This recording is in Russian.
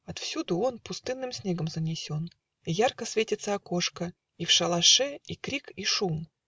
отвсюду он Пустынным снегом занесен, И ярко светится окошко, И в шалаше и крик и шум